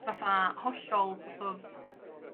fatha hollol so't of